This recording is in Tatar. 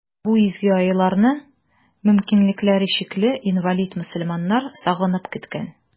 Бу изге айларны мөмкинлекләре чикле, инвалид мөселманнар сагынып көткән.